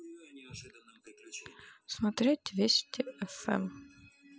смотреть вести фм